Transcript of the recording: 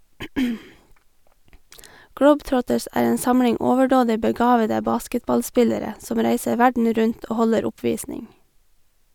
Globetrotters er en samling overdådig begavede basketballspillere som reiser verden rundt og holder oppvisning.